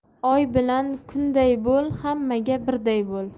oy bilan kunday bo'l hammaga birday bo'l